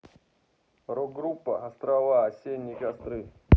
рок группа острова осенние костры